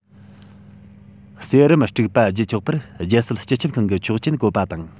གསེར བུམ དཀྲུག པ བརྒྱུད ཆོག པར རྒྱལ སྲིད སྤྱི ཁྱབ ཁང གིས ཆོག མཆན བཀོད པ དང